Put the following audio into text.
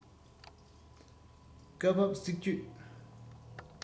སྐབས བབས གསེག གཅོད